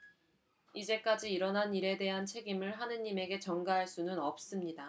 이제까지 일어난 일에 대한 책임을 하느님에게 전가할 수는 없습니다